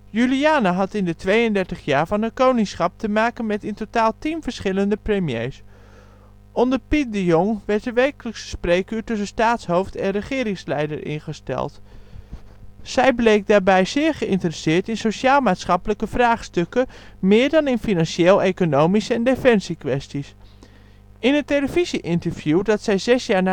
Juliana had in de 32 jaar van haar koningschap te maken met in totaal 10 verschillende premiers. Onder Piet de Jong werd het wekelijkse spreekuur tussen staatshoofd en regeringsleider ingesteld. Zij bleek daarbij zeer geïnteresseerd in sociaal-maatschappelijke vraagstukken, meer dan in financieel-economische - en defensie-kwesties. In een televisie-interview dat zij zes jaar na